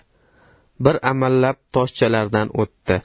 bir amallab toshchalardan o'tdi